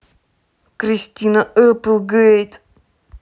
кристина эпплгейт